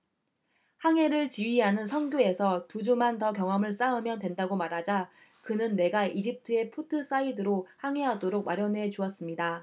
항해를 지휘하는 선교에서 두 주만 더 경험을 쌓으면 된다고 말하자 그는 내가 이집트의 포트사이드로 항해하도록 마련해 주었습니다